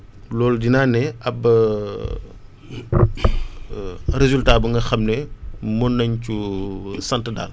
loolu dinaa ne ab résultat bu nga xam ne mun nañ sant daal